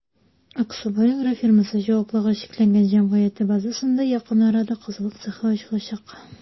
«аксубай» аф» җчҗ базасында якын арада казылык цехы ачылачак.